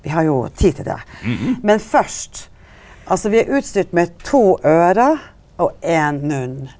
vi har jo tid til det, men først altså vi er utstyrt med to øyre og ein munn.